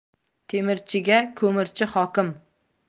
temirchiga ko'mirchi hokim